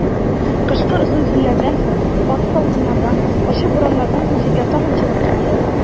Кышкы озын төннәрдән соң, каты салкыннардан, ачы бураннардан соң җиргә тагын җылы килде.